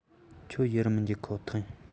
ཁྱོད ཡར མི འཇུག ཁོ ཐག ཡིན